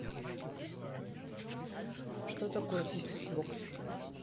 что такое икс бокс